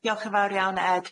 Diolch yn fawr iawn Ed.